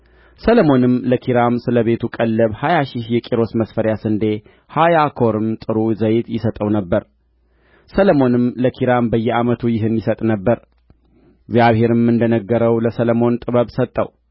ሰሎሞንም ለኪራም ስለ ቤቱ ቀለብ ሀያ ሺ የቆሮስ መስፈሪያ ስንዴ ሀያ ኮርም ጥሩ ዘይት ይሰጠው ነበር ሰሎሞንም ለኪራም በየዓመቱ ይህን ይሰጥ ነበር እግዚአብሔርም እንደ ነገረው ለሰሎሞን ጥበብን ሰጠው